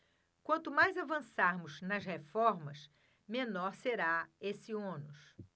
quanto mais avançarmos nas reformas menor será esse ônus